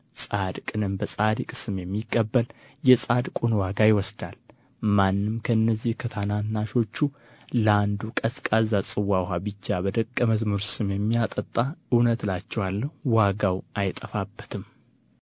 ጻድቅንም በጻድቅ ስም የሚቀበል የጻድቁን ዋጋ ይወስዳል ማንም ከእነዚህ ከታናናሾቹ ለአንዱ ቀዝቃዛ ጽዋ ውኃ ብቻ በደቀ መዝሙር ስም የሚያጠጣ እውነት እላችኋለሁ ዋጋው አይጠፋበትም